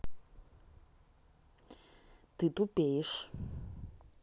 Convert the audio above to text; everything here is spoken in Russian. ты тупеешь